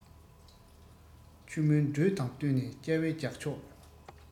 ཆུ མོའི འགྲོས དང བསྟུན ནས སྐྱ བའི རྒྱག ཕྱོགས